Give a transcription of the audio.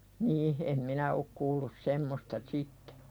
niin en minä ole kuullut semmoista sitten